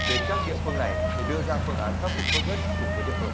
đến các địa phương này để đưa ra phương án khắc phục tốt nhất cùng với địa phương